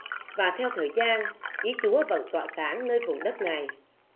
và theo thời gian ý chúa vẫn tỏa sáng nơi vùng đất này